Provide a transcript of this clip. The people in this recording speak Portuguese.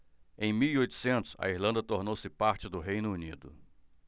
em mil e oitocentos a irlanda tornou-se parte do reino unido